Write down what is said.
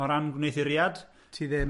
...o ran gwneuthuriad... Ti ddim.